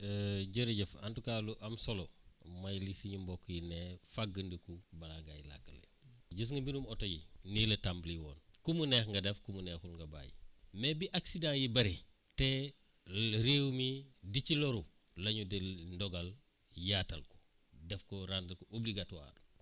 jërëjëf en tout cas lu am solo mooy li suñu mbokk yi ne faggandiku balaa ngay lakkle gis nga mbirum oto yii nii la tàmbali woon ku mu neex nga def ku mu neexul nga bàyyi mais bi accident yi bëree te réew mi di ci loru la ñu dindi ndogal yaatal ko def ko rendez vous obligatoire